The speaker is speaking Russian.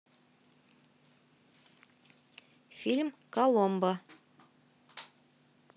фильм коломбо